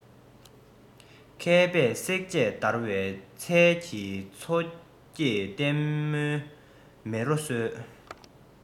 མཁས པས བསྲེགས བཅད བརྡར བའི རྩལ གྱིས མཚོ སྐྱེས བསྟན པའི མེ རོ གསོས